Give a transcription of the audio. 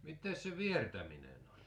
mitäs se viertäminen on